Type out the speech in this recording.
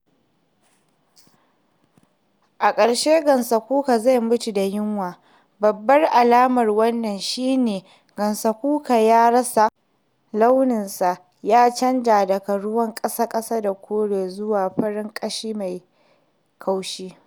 A ƙarshe gansakuka zai mutu da yunwa; babbar alamar wannan shi ne gansakuka ya rasa launinsa, ya canja daga ruwan ƙasa-ƙasa da kore zuwa farin ƙashi mai gautsi.